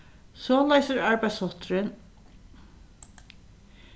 soleiðis er arbeiðshátturin